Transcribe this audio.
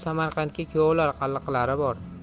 samarqandga kuyovlar qalliqlari bor